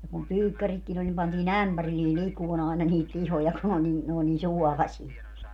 ja kun pyykkäritkin oli niin pantiin ämpärillinen likoamaan aina niitä lihoja kun ne oli niin ne oli niin suolasia